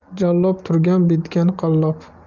jallob turgan bitgani qallob